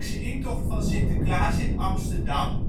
intocht van Sinterklaas in Amsterdam